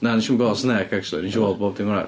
Na wnes i'm gweld snake achsyli. Wnes i weld bod dim arall.